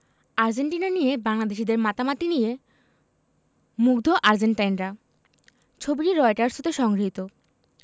Argentina নিয়ে বাংলাদেশিদের মাতামাতি নিয়ে মুগ্ধ আর্জেন্টাইনরা ছবিটি রয়টার্স হতে সংগৃহীত